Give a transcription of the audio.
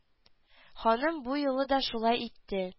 Ханым бу юлы да шулай итте